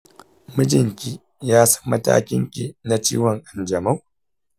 mijinki yasan matakin ki na ciwon ƙanjamau?